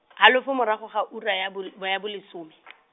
halofo morago ga ura ya bol-, boya bolesome .